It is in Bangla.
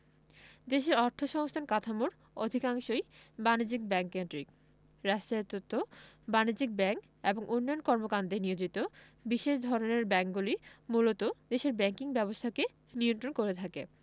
দেশের অর্থসংস্থান কাঠামোর অধিকাংশই বাণিজ্যিক ব্যাংক কেন্দ্রিক রাষ্ট্রায়ত্ত বাণিজ্যিক ব্যাংক এবং উন্নয়ন কর্মকান্ডে নিয়োজিত বিশেষ ধরনের ব্যাংকগুলোই মূলত দেশের ব্যাংকিং ব্যবস্থাকে নিয়ন্ত্রণ করে থাকে